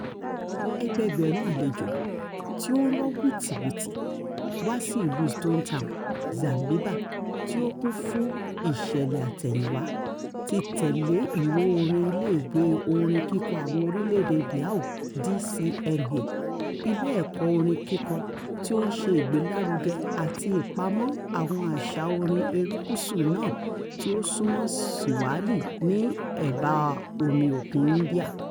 Ẹgbẹẹgbẹ̀rún àlejò tí ó ń rọ́ wìtìwìtì wá sí ìlú Stone Town, Zanzibar tí ó kún fún ìṣẹ̀lẹ̀ àtẹ̀yìnwá, ti tẹ̀lé ìró orin Iléèwé Orin kíkọ Àwọn Orílẹ̀-èdèe Dhow (DCMA), ilé ẹ̀kọ́ orin kíkọ tí ó ń ṣe ìgbélárugẹ àti ìpamọ́ àwọn àṣà orin erékùṣù náà tí ó sún mọ́ Swahili ní ẹ̀báa Omi Òkun India.